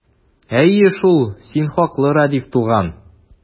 Әйе шул, син хаклы, Рәдиф туган!